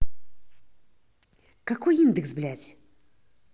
какой индекс блядь